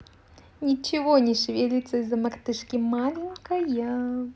ничего не шевелится из за мартышки маленькая